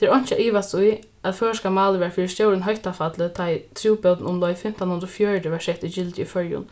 tað er einki at ivast í at føroyska málið var fyri stórum hóttafalli tá ið trúbótin umleið fimtan hundrað og fjøruti varð sett í gildi í føroyum